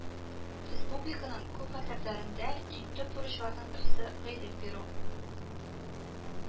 Республиканың күп мәктәпләрендә иң төп бурычларның берсе гыйлем бирү